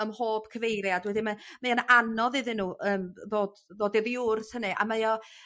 Ym mhob cyfeiriad wedyn ma' mae yn anodd iddyn nhw yym ddod ddod oddi wrth hynny a mae o